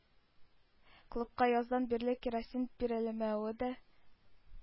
Клубка яздан бирле керосин бирелмәве дә,